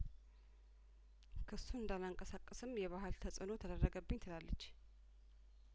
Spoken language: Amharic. ክሱን እንዳላንቀሳቅስም የባህል ተጽእኖ ተደረገብኝ ትላለች